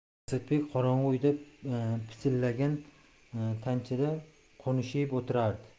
asadbek qorong'i uyda pisillagan tanchada qunishib o'tirardi